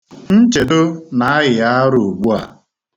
Nchedo na-ayị ara ugbua.